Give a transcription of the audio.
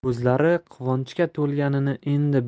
ko'zlari quvonchga to'lganini endi